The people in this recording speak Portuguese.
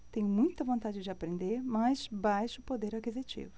tenho muita vontade de aprender mas baixo poder aquisitivo